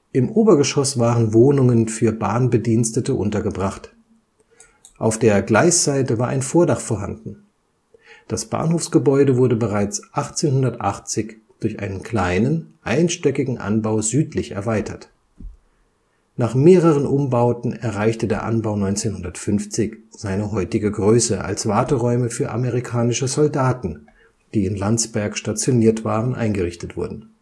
Im Obergeschoss waren Wohnungen für Bahnbedienstete untergebracht. Auf der Gleisseite war ein Vordach vorhanden. Das Bahnhofsgebäude wurde bereits 1880 durch einen kleinen, einstöckigen Anbau südlich erweitert. Nach mehreren Umbauten erreichte der Anbau 1950 seine heutige Größe, als Warteräume für amerikanische Soldaten, die in Landsberg stationiert waren, eingerichtet wurden